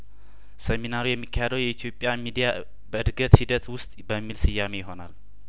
ሰሚናሩ የሚካሄደውም የኢትዮጵያ ሚዲያ በእድገት ሂደት ውስጥ በሚል ስያሜ ይሆናል